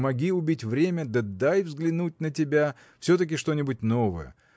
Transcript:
помоги убить время да дай взглянуть на тебя – все-таки что-нибудь новое